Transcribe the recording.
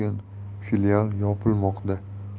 turgan filial yopilmoqda